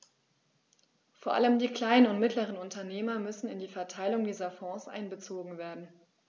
Vor allem die kleinen und mittleren Unternehmer müssen in die Verteilung dieser Fonds einbezogen werden.